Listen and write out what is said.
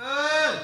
H